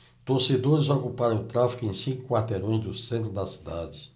torcedores ocuparam o tráfego em cinco quarteirões do centro da cidade